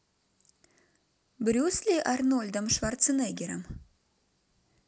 брюс ли арнольдом шварценеггером